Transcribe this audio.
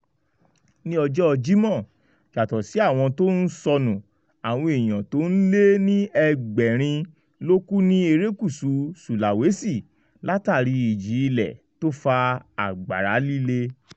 Ní ọjọ́ Jímọ̀, yàtọ̀ sí àwọn t’ọ́n sọnù, àwọn èèyàn t’ọ́n lé ní ẹgbẹ̀rin ló kú ní erékùsù Sulawesi látàrí ijì-ilẹ̀ tó fa àgbàrá líle.